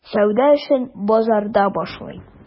Сәүдә эшен базарда башлый.